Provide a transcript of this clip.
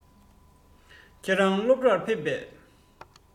ཁྱེད རང སློབ གྲྭར ཕེབས པས